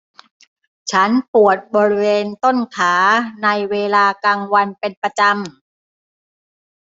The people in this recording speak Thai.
ฉันปวดบริเวณต้นขาในเวลากลางวันเป็นประจำ